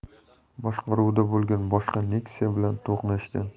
boshqaruvida bo'lgan boshqa nexia bilan to'qnashgan